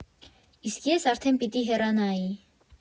Իսկ ես արդեն պիտի հեռանայի։